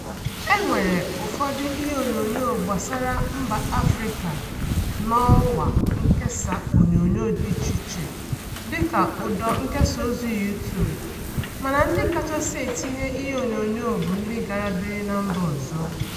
E nwegasịrị ụfọdụ ihe onyonyo gbasara mba Afrika n'ọwa nkesa onyonyo dị iche iche dịka ụdọnkesaozi Yuutub mana ndị kachasị etinye ihe onyoonyo bụ ndị gara biri na mba ọzọ.